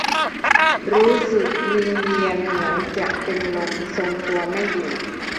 รู้สึกวิงเวียนเหมือนจะเป็นลมทรงตัวไม่อยู่